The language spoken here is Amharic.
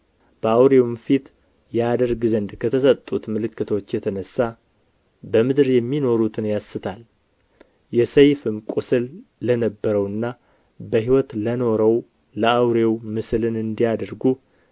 በአውሬውም ፊት ያደርግ ዘንድ ከተሰጡት ምልክቶች የተነሣ በምድር የሚኖሩትን ያስታል የሰይፍም ቍስል ለነበረውና በሕይወት ለኖረው ለአውሬው ምስልን እንዲያደርጉ